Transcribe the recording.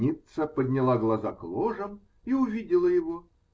Ницца подняла глаза к ложам и увидела его.